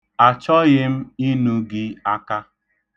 Achọghị m inu gị aka.